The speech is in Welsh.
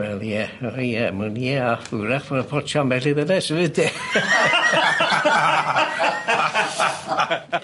Well ie a hwyrach ma' nw'n potsio ambell i ddynes efyd di?